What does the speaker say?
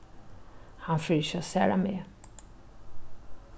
hann fer ikki at særa meg